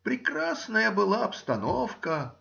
Прекрасная была обстановка